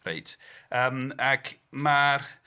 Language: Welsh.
Reit yym ac mae'r...